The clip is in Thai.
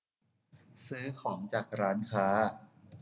ซื้อของจากร้านค้า